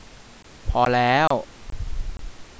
พอแล้ว